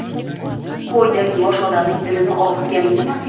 qo'yday yuvosh odamning dilini og'ritganing nimasi